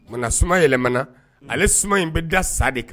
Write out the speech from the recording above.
Munna na suman yɛlɛmana ale suman in bɛ da sa de kan